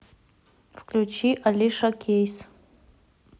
включи алиша кейс